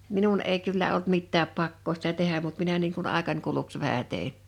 minun ei kyllä ollut mitään pakkoa sitä tehdä mutta minä niin kuin aikani kuluksi vähän tein